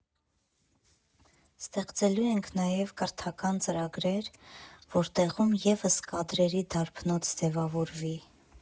«Ստեղծելու ենք նաև կրթական ծրագրեր, որ տեղում ևս կադրերի դարբնոց ձևավորվի։